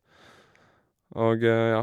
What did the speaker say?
Og, ja.